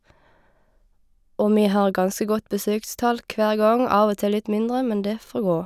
Og vi har ganske godt besøkstall hver gang, av og til litt mindre, men det får gå.